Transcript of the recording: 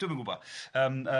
Dwi'm yn gwybod yym yym achos,